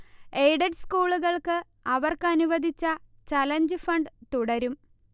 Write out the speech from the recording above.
aided സ്കൂളുകൾക്ക് അവർക്ക് അനുവദിച്ച ചലഞ്ച് ഫണ്ട് തുടരും